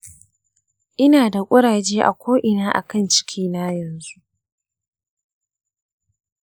ina da kuraje a ko’ina akan cikina yanzu.